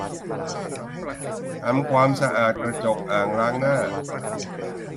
ทำความสะอาดกระจกอ่างล้างหน้า